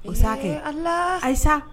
O sa kɛ ala ayisa